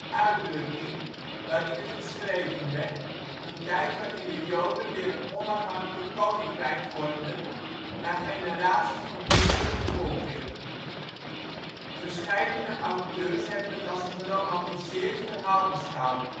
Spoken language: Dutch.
uitdrukking waarin het geschreven werd, een tijd waarin de Joden weer een onafhankelijk koninkrijk vormden na generaties van bittere vervolging. Verscheidene auteurs hebben het als een geromantiseerd verhaal beschouwd